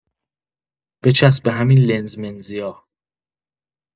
بچسب به همین لنز منزیا